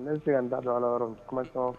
Ne se ka n dato ala yɔrɔ kuma sɔn